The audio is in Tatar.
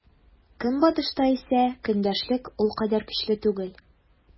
Көнбатышта исә көндәшлек ул кадәр көчле түгел.